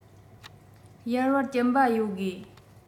གཡར བར སྐྱིན པ ཡོད དགོས